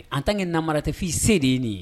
An tan ka na mara tɛfin se de ye nin ye